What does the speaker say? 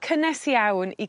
cynnes iawn i...